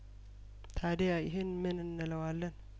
ታድ ያይህንምን እንለዋለን